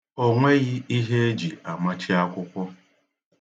O nweghị ihe e ji amachi akwụkwọ.